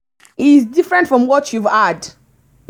He's different from what you've had.